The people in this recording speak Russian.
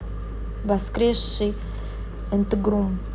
воскресший энтегрум